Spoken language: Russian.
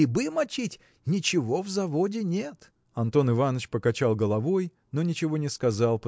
грибы мочить – ничего в заводе нет. Антон Иваныч покачал головой но ничего не сказал